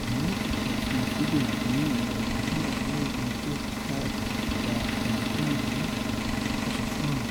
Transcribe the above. Àwọn ọlọ́pàá ṣe àfihàn fídíò ìbọn yínyìn ní ọjọ́ Jímọ̀. Wọ́n ní ẹni tó bá dá ẹni tó yìnbọn náà mọ̀, kó sọ fún àwọn.